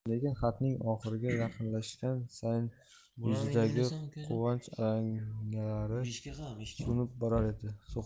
lekin xatning oxiriga yaqinlashgan sayin yuzidagi quvonch alangalari so'nib borar edi